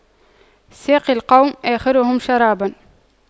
ساقي القوم آخرهم شراباً